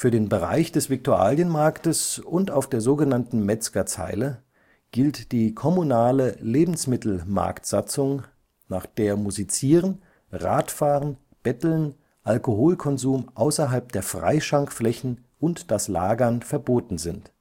den Bereich des Viktualienmarktes, und auf der sogenannten Metzgerzeile, gilt die kommunale Lebensmittelmarktsatzung (LMS), nach der Musizieren, Radfahren, Betteln, Alkoholkonsum außerhalb der Freischankflächen und das Lagern verboten sind